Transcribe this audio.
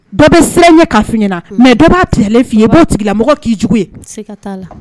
Bɛɛ bɛ siran ɲɛ k' fina mɛ dɔ b'a tigɛ f ye' tigɛlamɔgɔ k'i jugu ye